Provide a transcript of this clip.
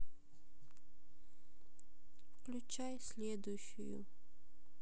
включай следующую